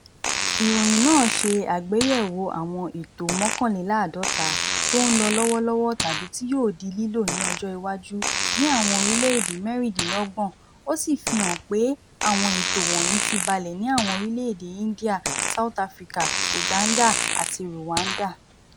Ìròyìn náà ṣe àgbéyẹ̀wò àwọn ètò mọ́kànléláàdọ́ta tó ń lọ lọ́wọ́ tàbí tí yóò di lílò ní ọjọ́ iwájú ní àwọn orílẹ̀ èdè mẹ́rìndínlọ́gbọ̀n, ó sì fi hàn pé àwọn ètò wọ̀nyí ti balẹ̀ ní àwọn orílẹ̀ èdè India, South Africa, Uganda àti Rwanda.